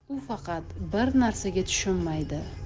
u faqat bir narsaga tushunmaydi